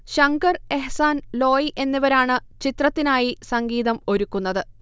ശങ്കർ, എഹ്സാൻ, ലോയ് എന്നിവരാണ് ചിത്രത്തിനായി സംഗീതം ഒരുക്കുന്നത്